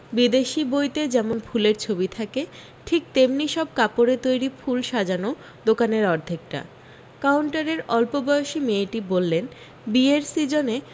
বিদেশি বৈতে যেমন ফুলের ছবি থাকে ঠিক তেমনি সব কাপড়ে তৈরী ফুল সাজানো দোকানের অর্ধেকটা কাউন্টারের অল্পবয়েসি মেয়েটি বললেন বিয়ের সীজনে